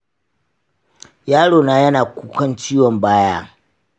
yaro na yana kukan ciwon baya.